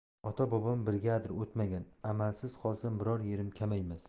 ota bobom brigadir o'tmagan amalsiz qolsam biror yerim kamaymas